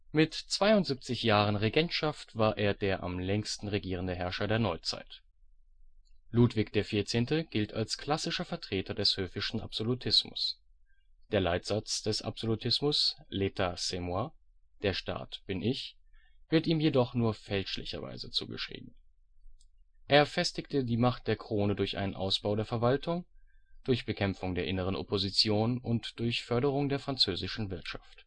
Mit 72 Jahren Regentschaft war er der am längsten regierende Herrscher der Neuzeit. Ludwig XIV. gilt als klassischer Vertreter des höfischen Absolutismus. Der Leitsatz des Absolutismus, L'état, c’ est moi! – Der Staat bin ich!, wird ihm jedoch nur fälschlicherweise zugeschrieben. Er festigte die Macht der Krone durch einen Ausbau der Verwaltung, durch Bekämpfung der inneren Opposition und durch Förderung der französischen Wirtschaft